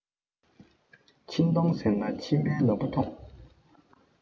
ཕྱིན གཏོང ཟེར ན ཕྱིན རྒྱུའི ལམ བུ ཐོང